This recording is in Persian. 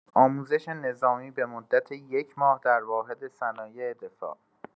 آموزش نظامی به مدت یک ماه در واحد صنایع دفاع